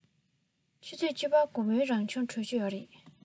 ཆུ ཚོད བཅུ པར དགོང མོའི རང སྦྱོང གྲོལ གྱི རེད